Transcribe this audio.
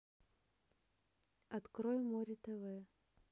открой море тв